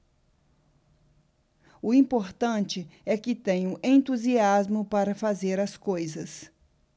o importante é que tenho entusiasmo para fazer as coisas